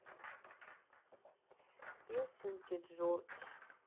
песенки джордж